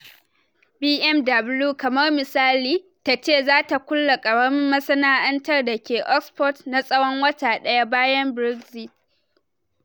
BMW, kamar misali, ta ce zata kulle karamin masana’antar ta da ke Oxford na tsawon wata daya bayan Brexit.